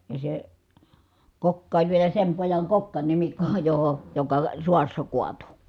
ja se kokka oli vielä sen pojan kokkanimikko johon joka sodassa kaatui